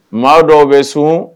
Maa dɔw bɛ sun